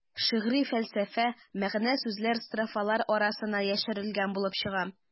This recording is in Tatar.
Шигъри фәлсәфә, мәгънә-сүзләр строфалар арасына яшерелгән булып чыга.